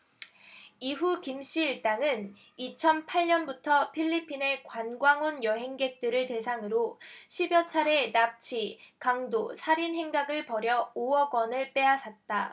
이후 김씨 일당은 이천 팔 년부터 필리핀에 관광온 여행객들을 대상으로 십 여 차례 납치 강도 살인 행각을 벌여 오 억원을 빼앗았다